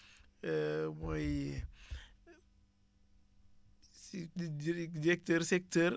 mooy si dire directeur secteur